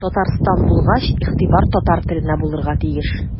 Татарстан булгач игътибар татар теленә булырга тиеш.